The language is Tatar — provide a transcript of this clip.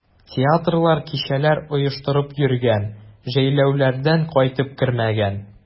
Театрлар, кичәләр оештырып йөргән, җәйләүләрдән кайтып кермәгән.